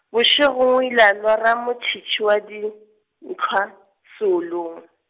bošegong o ile lora motšhitšhi wa dintlhwa, seolong.